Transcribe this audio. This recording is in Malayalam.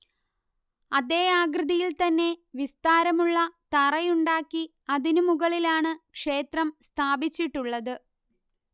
അതേ ആകൃതിയിൽ തന്നെ വിസ്താരമുള്ള തറയുണ്ടാക്കി അതിനു മുകളിലാണ് ക്ഷേത്രം സ്ഥാപിച്ചിട്ടുള്ളത്